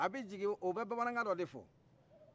a bɛ jigi o bɛ bamanankan dɔ de fɔ